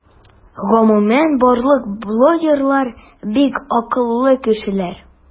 Гомумән барлык блогерлар - бик акыллы кешеләр.